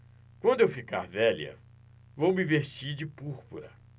quando eu ficar velha vou me vestir de púrpura